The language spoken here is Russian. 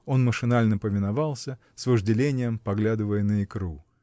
Он машинально повиновался, с вожделением поглядывая на икру.